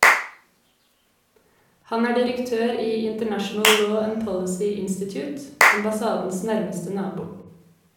Han er direktør i "International law and policy institute", ambassadens nærmeste nabo.